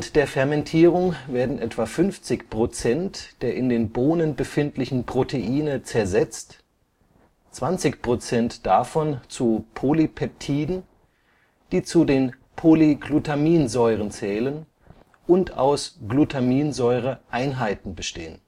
der Fermentierung werden etwa 50 % der in den Bohnen befindlichen Proteine zersetzt, 20 % davon zu Polypeptiden, die zu den Polyglutaminsäuren zählen und aus Glutaminsäure-Einheiten bestehen